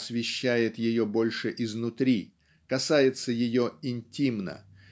освещает ее больше изнутри касается ее интимно